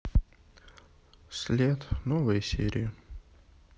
след новые серии